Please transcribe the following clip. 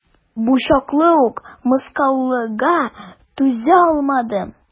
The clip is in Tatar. Бу чаклы ук мыскыллауга түзалмадым.